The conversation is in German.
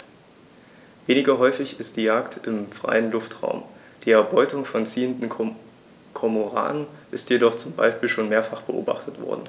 Weniger häufig ist die Jagd im freien Luftraum; die Erbeutung von ziehenden Kormoranen ist jedoch zum Beispiel schon mehrfach beobachtet worden.